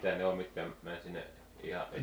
mitä ne on mitkä meni sinne ihan etäälle